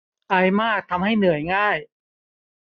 ไอมากทำให้เหนื่อยง่าย